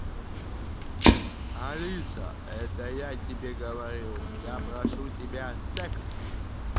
алиса это я тебе говорю я прошу тебя секс